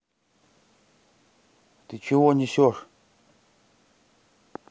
ты чего несешь